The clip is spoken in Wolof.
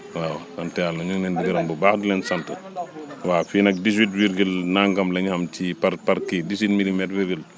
waaw sant yàlla ñu ngi leen di gërëm bu baax di leen sant waaw fii nag disx huit virgule nangam la ñu am ci par par kii dix huit milimètres virgule